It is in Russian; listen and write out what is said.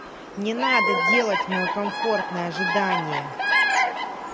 не надо делать мое комфортное ожидание